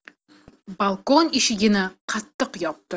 balkon eshigini qattiq yopdi